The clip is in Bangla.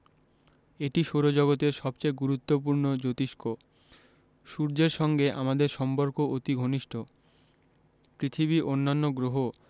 এটি সৌরজগতের সবচেয়ে গুরুত্বপূর্ণ জোতিষ্ক সূর্যের সঙ্গে আমাদের সম্পর্ক অতি ঘনিষ্ট পৃথিবী অন্যান্য গ্রহ